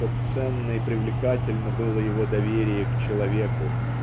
что ценно и привлекательно было его доверие к человеку